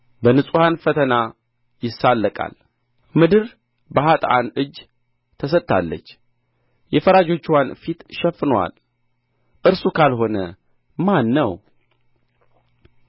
በንጹሐን ፈተና ይሳለቃል ምድር በኃጥአን እጅ ተሰጥታለች የፈራጆችዋን ፊት ሸፍኖአል እርሱ ካልሆነ ማን ነው